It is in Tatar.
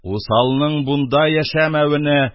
«усалның бунда яшәмәвене